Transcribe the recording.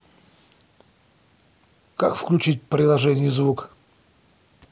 как включить приложение звук